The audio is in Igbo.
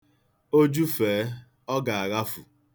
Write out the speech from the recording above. O jufee, ọ ga-aghafu.